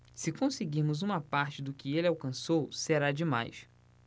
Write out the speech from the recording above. se conseguirmos uma parte do que ele alcançou será demais